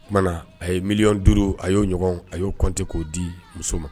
O tumana a ye miliyɔn 5 a y'o ɲɔgɔn a y'o compter k'o di muso ma